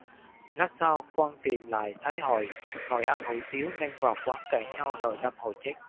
lát sau quang tìm lại thấy hội ngồi ăn hủ tíu nên vào quán cãi nhau rồi đâm hội chết